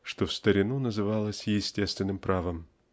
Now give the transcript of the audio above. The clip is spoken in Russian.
что в старину называлось естественным правом.